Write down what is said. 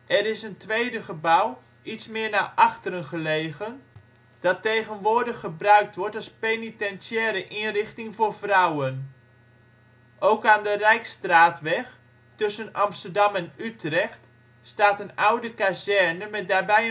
Er is een tweede gebouw, iets meer naar achteren gelegen, dat tegenwoordig gebruikt wordt als Penitentiare Inrichting voor vrouwen. Ook aan de Rijksstraatweg (tussen Amsterdam en Utrecht) staat een oude kazerne met daarbij